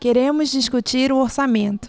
queremos discutir o orçamento